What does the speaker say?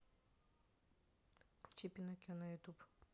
включи пиноккио на ютуб